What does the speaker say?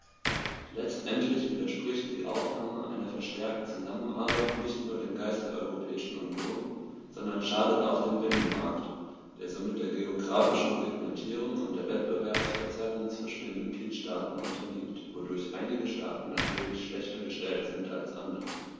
Letztendlich widerspricht die Aufnahme einer verstärkten Zusammenarbeit nicht nur dem Geist der Europäischen Union, sondern schadet auch dem Binnenmarkt, der somit der geographischen Segmentierung und der Wettbewerbsverzerrung zwischen den Mitgliedstaaten unterliegt, wodurch einige Staaten natürlich schlechter gestellt sind als andere.